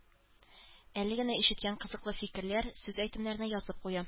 Әле генә ишеткән кызыклы фикерләр, сүз-әйтемнәрне язып куя